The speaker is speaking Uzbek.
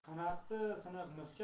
qanoti siniq musicha